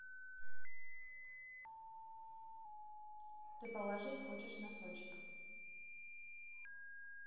ты положить хочешь на сочек